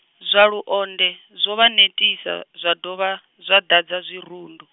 zwa Luonde, zwo vha netisa, zwa dovha, zwa ḓadza zwirundu.